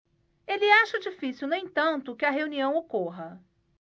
ele acha difícil no entanto que a reunião ocorra